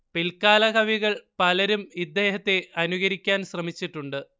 പിൽക്കാല കവികൾ പലരും ഇദ്ദേഹത്തെ അനുകരിക്കാൻ ശ്രമിച്ചിട്ടുണ്ട്